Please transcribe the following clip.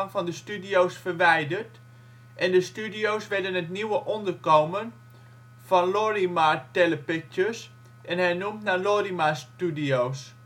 van de studio 's verwijderd en de studio 's werden het nieuwe onderkomen van Lorimar Telepictures en hernoemd naar Lorimar Studios